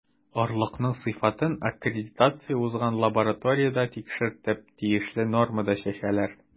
Орлыкның сыйфатын аккредитация узган лабораториядә тикшертеп, тиешле нормада чәчәләр.